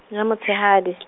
ya motshehadi .